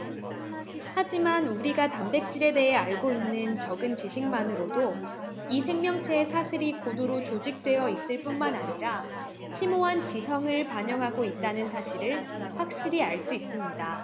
하지만 우리가 단백질에 대해 알고 있는 적은 지식만으로도 이 생명체의 사슬이 고도로 조직되어 있을 뿐만 아니라 심오한 지성을 반영하고 있다는 사실을 확실히 알 수 있습니다